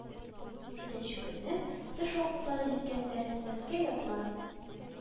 Икенче көнне, төш вакытлары җиткәндә, Вәскәй атлар